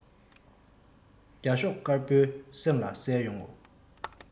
རྒྱ ཤོག དཀར པོའི སེམས ལ གསལ ཡོང ངོ